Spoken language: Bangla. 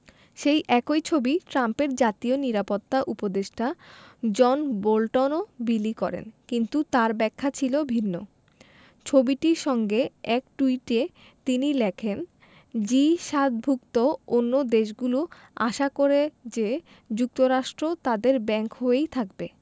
সেই একই ছবি ট্রাম্পের জাতীয় নিরাপত্তা উপদেষ্টা জন বোল্টনও বিলি করেন কিন্তু তাঁর ব্যাখ্যা ছিল ভিন্ন ছবিটির সঙ্গে এক টুইটে তিনি লেখেন জি ৭ ভুক্ত অন্য দেশগুলো আশা করে যে যুক্তরাষ্ট্র তাদের ব্যাংক হয়েই থাকবে